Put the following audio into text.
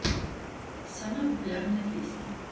самые популярные песни